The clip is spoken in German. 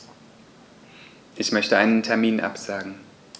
Ich möchte einen Termin absagen.